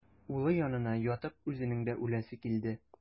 Улы янына ятып үзенең дә үләсе килде.